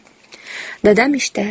dadam ishda